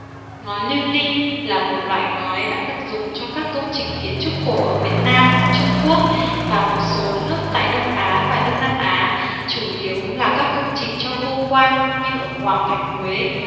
ngói lưu ly là một loại ngói đã được dùng cho các công trình kiến trúc cổ ở việt nam trung quốc và một số nước tại đông á và đông nam á chủ yếu là các công trình cho vua quan như ở hoàng thành huế